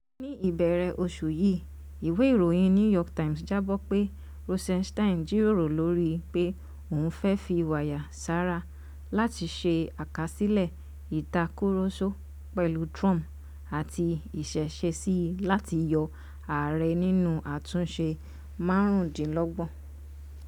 Ní ìbẹ̀rẹ̀ oṣù yìí, ìwé ìròyìn New York Times jábọ̀ pé Rosenstein jíròrò lórí i pé oùn fẹ́ fí wáyà sára láti ṣe àkásílẹ̀ ìtàkurọ̀sọ pẹ̀lú Trump àti ìṣeéṣesí láti yọ ààrẹ nínú àtúnṣe 25.